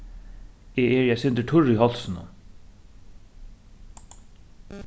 eg eri eitt sindur turr í hálsinum